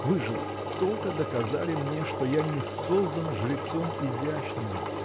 вы жестоко доказали мне, что я не создан жрецом изящного